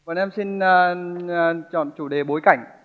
bọn em xin ơ xin ơ chọn chủ đề bối cảnh